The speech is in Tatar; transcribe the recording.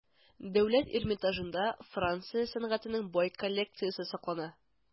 Дәүләт Эрмитажында Франция сәнгатенең бай коллекциясе саклана.